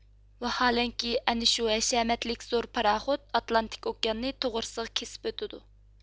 ۋەھالەنكى ئەنە شۇ ھەشەمەتلىك زور پاراخوت ئاتلانتىك ئوكياننى توغرىسىغا كېسىپ ئۆتۈدۇ